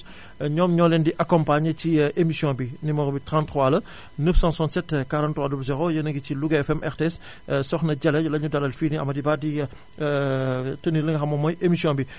ñoom ñoo leen di accompagné ci émission bi numéro bi 33 la 967 43 00 yéen a ngi ci Louga FM RTS Soxna Jalle lañu dalal fii nii Amady Ba di tenir li nga xam moom mooy émission bi